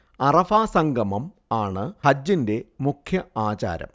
അറഫാ സംഗമം ആണു ഹജ്ജിന്റെ മുഖ്യ ആചാരം